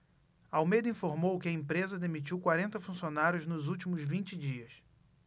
almeida informou que a empresa demitiu quarenta funcionários nos últimos vinte dias